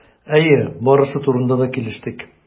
Әйе, барысы турында да килештек.